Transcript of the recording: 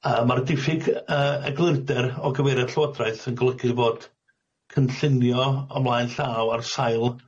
Yym ma'r diffyg yyy eglurder o gyfeiriad llywodraeth yn golygu fod cynllunio o mlaen llaw ar sail